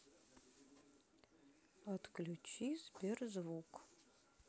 отключи сберзвук